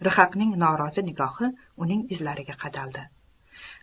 rhaqning norozi nigohi uning izlariga qadaldi